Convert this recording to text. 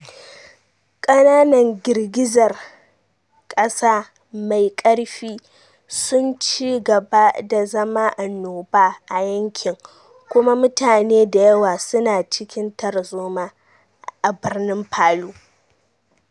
Kananan girgizar kasa mai karfi sun ci gaba da zama annoba a yankin kuma mutane da yawa su na cikin tarzoma a birnin Palu.